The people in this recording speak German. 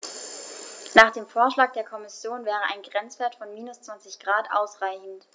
Nach dem Vorschlag der Kommission wäre ein Grenzwert von -20 ºC ausreichend.